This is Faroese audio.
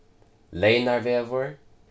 leynarvegur